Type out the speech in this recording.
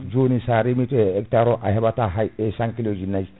joni sa reemi to e hectare o a heɓata hay e san kiloji nayyi